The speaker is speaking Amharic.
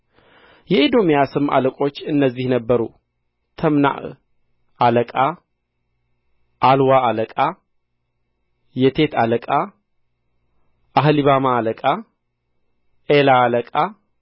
የኤዶምያስም አለቆች እነዚህ ነበሩ ቲምናዕ አለቃ ዓልዋ አለቃ የቴት አለቃ አህሊባማ አለቃ ኤላ አለቃ